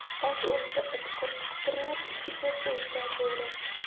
ot o'lsa it quturar eshak o'lsa bo'ri